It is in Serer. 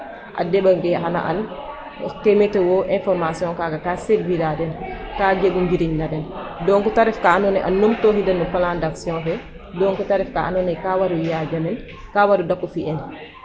A deɓange xan a and ke météo information ka ka servir a den ka jeg o njiriñ na den donc ta ref ka andoona yee a numtooxiida no plan d' action donc ta ref ka andoona yee ka war o yaajanel ka war o dak o fi'el.